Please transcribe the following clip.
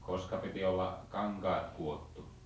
koska piti olla kankaat kudottu